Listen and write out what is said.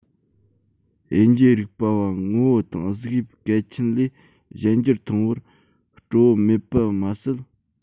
དབྱེ འབྱེད རིག པ བ ངོ བོ དང གཟུགས དབྱིབས གལ ཆེན ལས གཞན འགྱུར མཐོང བར སྤྲོ པོ མེད པ མ ཟད